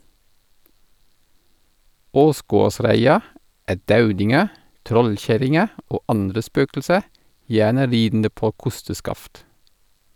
Åsgårdsreia er daudinger, trollkjerringer, og andre spøkelser, gjerne ridende på kosteskaft.